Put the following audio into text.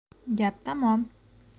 gap tamom